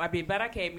A bɛ baara kɛ